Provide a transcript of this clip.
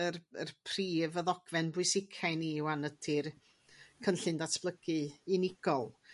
yr yr prif... Y ddogfen bwysica i ni wan yti'r cynllun datblygu unigol.